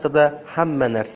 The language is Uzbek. haqida hamma narsa